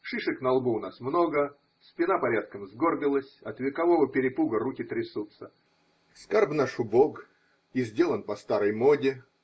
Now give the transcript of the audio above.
Шишек на лбу у нас много, спина порядком сгорбилась, от векового перепугу руки трясутся: скарб наш убог и сделан по старой моде.